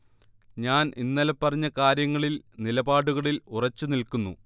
ഞാൻ ഇന്നലെ പറഞ്ഞ കാര്യങ്ങളിൽ, നിലപാടുകളിൽ ഉറച്ചു നിൽകുന്നു